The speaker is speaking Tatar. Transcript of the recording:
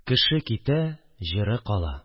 Кеше китә – җыры кала